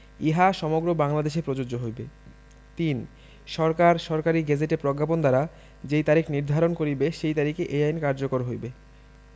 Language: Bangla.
ইহা সমগ্র বাংলাদেশে প্রযোজ্য হইবে ৩ সরকার সরকারী গেজেটে প্রজ্ঞাপন দ্বারা যেই তারিখ নির্ধারণ করিবে সেই তারিখে এই আইন কার্যকর হইবে